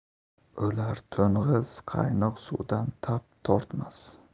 o'lar to'ng'iz qaynoq suvdan tap tortmas